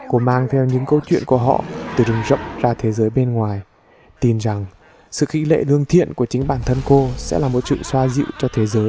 cô mang theo những câu chuyện của họ từ rừng rậm ra thế giới bên ngoài tin rằng sự khích lệ lương thiện của chính bản thân cô sẽ là một sự xoa dịu cho thế giới